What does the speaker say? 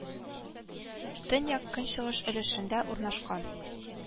Төньяк көнчыгыш өлешендә урнашкан